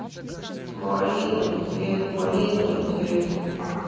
малиновый цвет малиновый цвет